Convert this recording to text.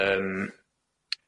Yym.